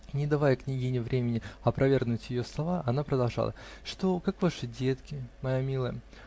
И, не давая княгине времени опровергнуть ее слова, она продолжала: -- Что, как ваши детки, моя милая?